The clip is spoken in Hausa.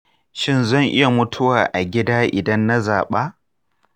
shin zan iya mutuwa a gida idan na zaɓa?